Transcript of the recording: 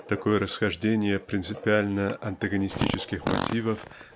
такое расхождение принципиально антагонистических мотивов